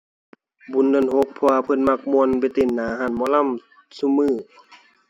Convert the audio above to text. บุญเดือนหก เพราะว่าเพิ่นมักม่วน ไปเต้นหน้าร้านหมอลำซุมื้อ